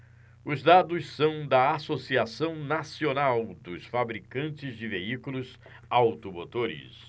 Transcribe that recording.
os dados são da anfavea associação nacional dos fabricantes de veículos automotores